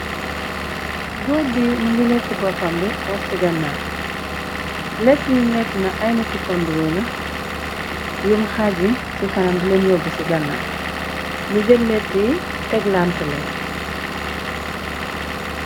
Góor bi më ngi lettu boppam bi wat ci ganna lett yum lett na ay lettu kondru la yum xaaji ci kanam dileen yóbb ci ganna mu jët lett yi teg lant leen.